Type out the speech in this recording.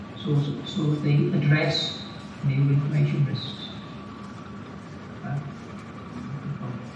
So so they address new information risks. Gweld? Yym mewn ffor.